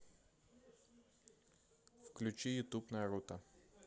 включи ютуб наруто